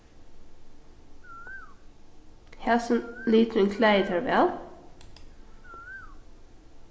hasin liturin klæðir tær væl